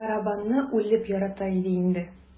Барабанны үлеп ярата иде инде.